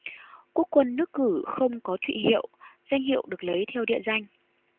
quốc quân nước cử không có thụy hiệu danh hiệu được lấy theo địa danh